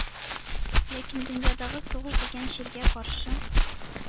Ләкин дөньядагы сугыш дигән чиргә каршы